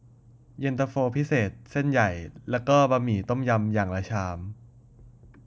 เย็นตาโฟพิเศษเส้นใหญ่และก็บะหมี่ต้มยำอย่างละชาม